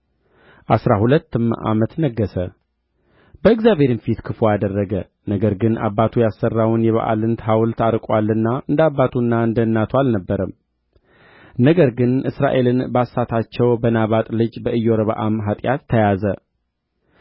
መጽሐፈ ነገሥት ካልዕ ምዕራፍ ሶስት በይሁዳም ንጉሥ በኢዮሣፍጥ በአሥራ ስምንተኛው ዓመት የአክዓብ ልጅ ኢዮራም በእስራኤል ላይ በሰማርያ መንገሥ ጀመረ